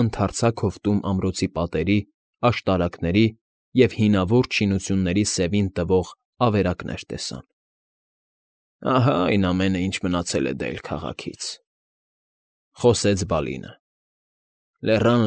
Ընդարձակ հովտում ամրոցի պատերի, աշտարակների և հինավուրց շինությունների սևին տվող ավերակներ տեսան։ ֊ Ահա այն ամենը, ինչ մնացել է Դեյլ քաղաքից,֊ խոսեց Բալինը։֊ Լեռան։